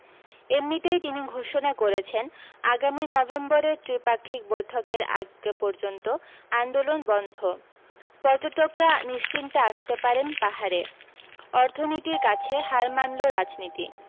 এমনিতেই তিনি ঘোষণা করেছেন আগামী নভেম্বরে ত্রিপাক্ষিক বৈঠকের আগে পর্যন্ত আন্দোলন বন্ধ পর্যটকরা নিশ্চিন্তে আসতে পারেন পাহাড়ে অর্থনীতির কাছে হার মানল রাজনীতি